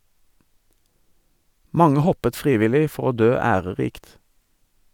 Mange hoppet frivillig for å dø ærerikt.